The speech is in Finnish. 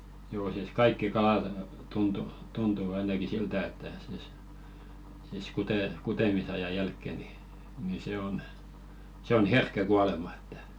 joo siis kaikki kalat tuntui tuntu ainakin siltä että siis siis - kutemisajan jälkeen niin niin se on se on herkkä kuolemaan että